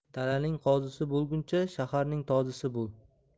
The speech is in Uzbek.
dalaning qozisi bo'lguncha shaharning tozisi bo'l